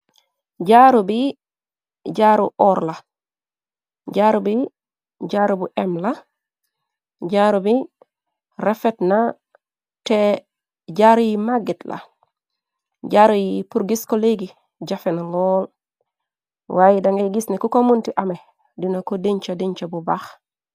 Jaaru bi jaaru oorr la, jaaru bi jaaru bu em la, jaaru bi refetna, te jaaru yi magget la. Jaaru yi pur gis ko legi jafen na lol. Waye da ngay gis neeh ku ko munti ameh dina ko dincha, dincha bu bax.